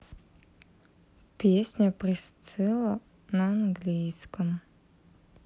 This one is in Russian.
песня присцилла на английском